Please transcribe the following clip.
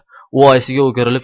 u oyisiga o'girilib